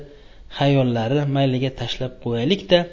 xayollari mayliga tashlab ko'yaylik da